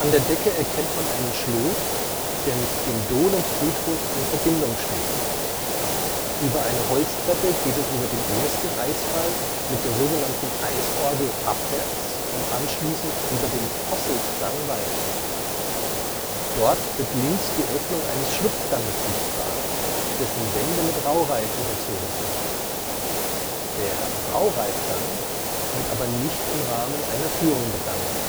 der Decke erkennt man einen Schlot, der mit dem Dohlenfriedhof in Verbindung steht. Über eine Holztreppe geht es über den ersten Eisfall mit der sogenannten Eisorgel abwärts und anschließend durch den Posseltgang weiter. Dort wird links die Öffnung eines Schlupfganges sichtbar, dessen Wände mit Raureif überzogen sind. Der Raureifgang wird aber nicht im Rahmen einer Führung begangen